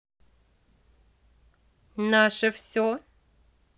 наше все